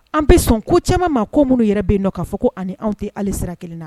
An bɛ sɔn ko caman ma ko minnu yɛrɛ bɛ yen nɔ k'a fɔ ko ani anw tɛ hali sira kelen na.